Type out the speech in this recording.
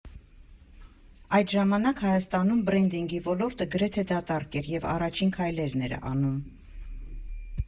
Այդ ժամանակ Հայաստանում բրենդինգի ոլորտը գրեթե դատարկ էր և առաջին քայլերն էր անում։